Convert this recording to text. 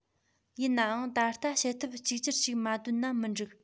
ཡིན ནའང ད ལྟ བྱེད ཐབས གཅིག གྱུར ཞིག མ བཏོན ན མི འགྲིག